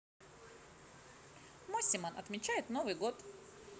mosimann отмечает новый год